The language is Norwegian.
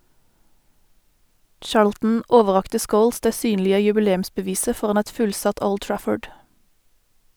Charlton overrakte Scholes det synlige jubileumsbeviset foran et fullsatt Old Trafford.